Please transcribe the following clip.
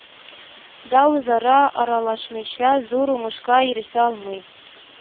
Да үзара аралашмыйча зур уңышка ирешә алмый